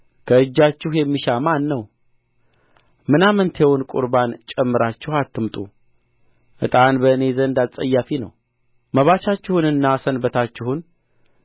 ከእጃችሁ የሚሻ ማን ነው ምናምንቴውን ቍርባን ጨምራችሁ አታምጡ ዕጣን በእኔ ዘንድ አጸያፊ ነው መባቻችሁንና ሰንበታችሁን